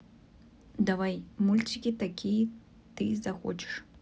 давай мультики какие ты захочешь